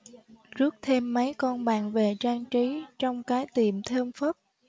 rước thêm mấy con bạn về trang trí trông cái tiệm thơm phết